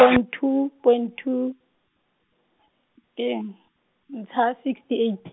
point two, point two, ke eng? ntsha sixty eight.